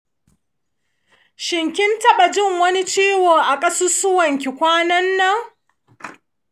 shin kin taɓa jin wani ciwo a ƙasusuwanki kwanan nan?